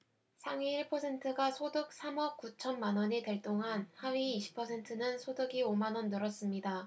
상위 일 퍼센트가 소득 삼 억 구천 만원이 될 동안 하위 이십 퍼센트는 소득이 오 만원 늘었습니다